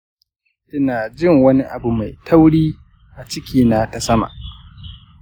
ina jin wani abu mai tauri a cikina ta sama.